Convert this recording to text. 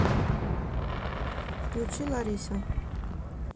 включи лариса